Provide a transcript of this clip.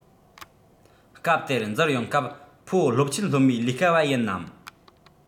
སྐབས དེར འཛུལ ཡོང སྐབས ཕོ སློབ ཆེན སློབ མའི ལས དཀའ བ ཡིན ནམ